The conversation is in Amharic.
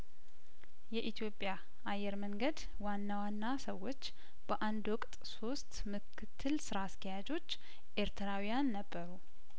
የኢትዮጵያ አየር መንገድ ዋና ዋና ሰዎች በአንድ ወቅት ሶስት ምክትል ስራ አስኪያጆች ኤርትራውያን ነበሩ